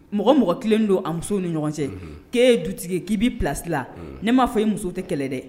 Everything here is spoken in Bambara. Mɔgɔ o mɔgɔ tilelen don a musow ni ɲɔgɔn cɛ k'e ye dutigi ye k'i b'i place _le ne m'a fɔ k'i ni muso tɛ kɛlɛ dɛ.